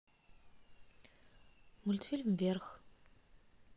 мультфильм вверх